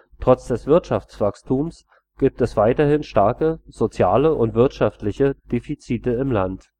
Trotz des Wirtschaftswachstums gibt es weiterhin starke soziale und wirtschaftliche Defizite im Land